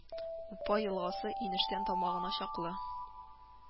Упа елгасы, инештән тамагына чаклы